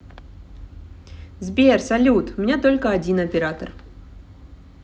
сбер салют у меня только один оператор